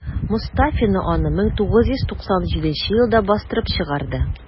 Мостафина аны 1997 елда бастырып чыгарды.